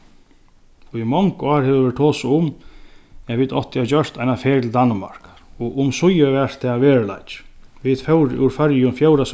í mong ár hevur verið tosað um at vit áttu at gjørt eina ferð til danmarkar og umsíðir varð tað veruleiki vit fóru úr føroyum fjórða